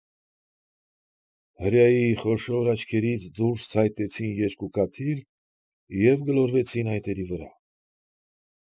Հրեայի խոշոր աչքերից դուրս ցայտեցին երկու կաթիլ և գլորվեցին այտերի վրա։